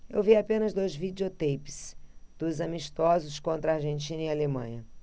eu vi apenas dois videoteipes dos amistosos contra argentina e alemanha